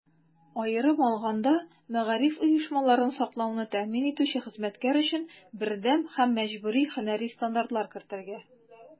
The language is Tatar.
Аерым алганда, мәгариф оешмаларын саклауны тәэмин итүче хезмәткәр өчен бердәм һәм мәҗбүри һөнәри стандартлар кертергә.